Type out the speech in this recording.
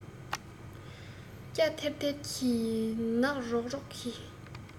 སྐྱ ཐེར ཐེར གྱི ནག རོག རོག གི